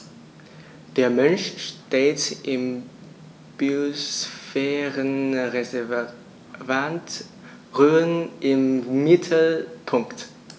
Der Mensch steht im Biosphärenreservat Rhön im Mittelpunkt.